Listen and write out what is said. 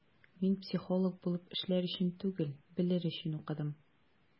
Мин психолог булып эшләр өчен түгел, белер өчен укыдым.